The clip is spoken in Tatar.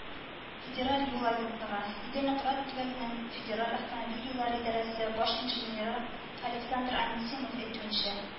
Федераль юл агентлыгы Идел-Нократ төбәгенең Федераль автомобиль юллары идарәсе баш инженеры Александр Анисимов әйтүенчә